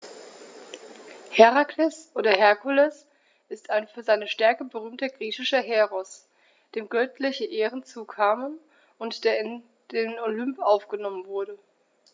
Herakles oder Herkules ist ein für seine Stärke berühmter griechischer Heros, dem göttliche Ehren zukamen und der in den Olymp aufgenommen wurde.